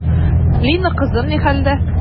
Лина кызым ни хәлдә?